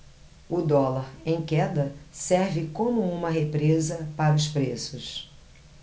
o dólar em queda serve como uma represa para os preços